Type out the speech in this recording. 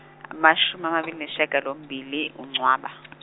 amashumi amabili nesishiyagalombili uNcwaba.